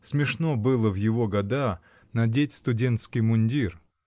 Смешно было в его года надеть студентский мундир